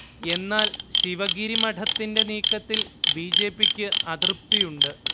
എന്നാൽ ശിവഗിരി മഠത്തിന്റെ നീക്കത്തിൽ ബിജെപിക്ക് അതൃപ്തിയുണ്ട്